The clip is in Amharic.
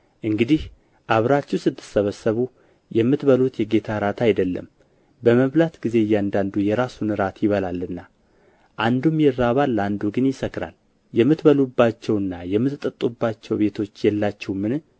እንግዲህ አብራችሁ ስትሰበሰቡ የምትበሉት የጌታ እራት አይደለም በመብላት ጊዜ እያንዳንዱ የራሱን እራት ይበላልና አንዱም ይራባል አንዱ ግን ይሰክራል የምትበሉባቸውና የምትጠጡባቸው ቤቶች የላችሁምን